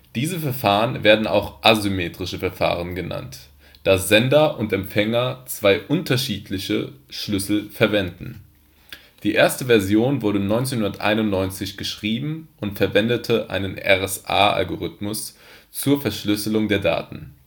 Diese Verfahren werden auch asymmetrische Verfahren genannt, da Sender und Empfänger zwei unterschiedliche Schlüssel verwenden. Die erste Version wurde 1991 geschrieben und verwendete einen RSA-Algorithmus zur Verschlüsselung der Daten